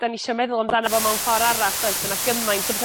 'dan ni isio meddwl amdano fo mewn ffor arall does bo' na gymaint o bethe